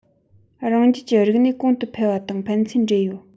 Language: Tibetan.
རང རྒྱལ གྱི རིག གནས གོང དུ འཕེལ བ དང ཕན ཚུན འདྲེས ཡོད